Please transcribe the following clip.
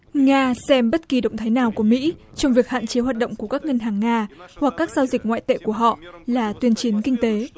nga xem bất kỳ động thái nào của mỹ trong việc hạn chế hoạt động của các ngân hàng nga hoặc các giao dịch ngoại tệ của họ là tuyên chiến kinh tế